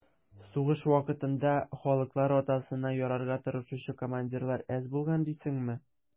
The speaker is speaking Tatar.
Сугыш вакытында «халыклар атасына» ярарга тырышучы командирлар әз булган дисеңме?